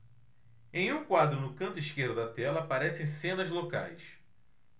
em um quadro no canto esquerdo da tela aparecem cenas locais